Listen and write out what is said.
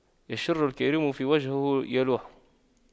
بِشْرُ الكريم في وجهه يلوح